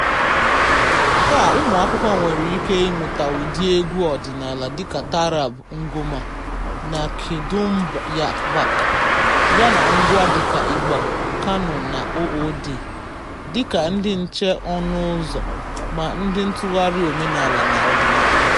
Taa, ụmụakwụkwọ nwere ike ịmụta ụdị egwu ọdịnaala dịka taarab, ngoma na kidumbak, yana ngwa dịka ịgbà, qanun na ọọd, dịka ndị nche ọnụ ụzọ - na ndị ntụgharị - omenaala na ọdịnaala.